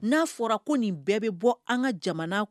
N'a fɔra ko nin bɛɛ bɛ bɔ an ka jamana